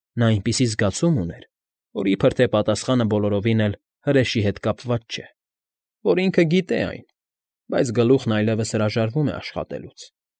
Նա այնպիսի զգացում ուներ, որ իրբ թե պատասխանը բոլորովին էլ հրեշի հետ կապված չէ, որ ինքը գիտե այն, բայց գլուխն այլևս հրաժարվում է աշխատելուց։